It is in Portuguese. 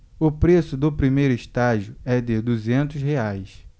o preço do primeiro estágio é de duzentos reais